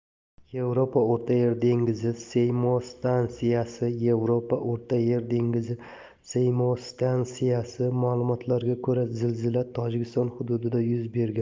yevropa o'rtayer dengizi seysmostansiyasiyevropa o'rtayer dengizi seysmostansiyasi ma'lumotlariga ko'ra zilzila tojikiston hududida yuz bergan